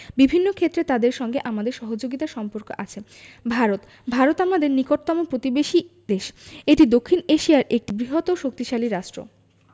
বিভিন্ন ক্ষেত্রে তাদের সঙ্গে আমাদের সহযোগিতার সম্পর্ক আছে ভারতঃ ভারত আমাদের নিকটতম প্রতিবেশী দেশ এটি দক্ষিন এশিয়ার একটি বৃহৎও শক্তিশালী রাষ্ট্র